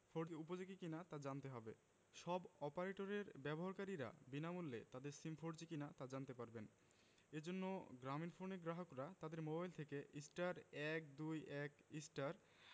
four G উপযোগী কিনা তা জানতে হবে সব অপারেটরের ব্যবহারকারীরা বিনামূল্যে তাদের সিম ফোরজি কিনা তা জানতে পারবেন এ জন্য গ্রামীণফোনের গ্রাহকরা তাদের মোবাইল থেকে *১২১*